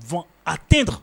Bɔn a tɛ